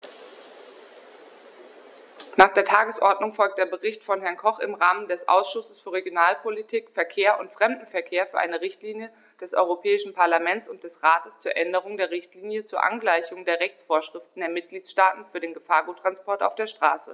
Nach der Tagesordnung folgt der Bericht von Herrn Koch im Namen des Ausschusses für Regionalpolitik, Verkehr und Fremdenverkehr für eine Richtlinie des Europäischen Parlament und des Rates zur Änderung der Richtlinie zur Angleichung der Rechtsvorschriften der Mitgliedstaaten für den Gefahrguttransport auf der Straße.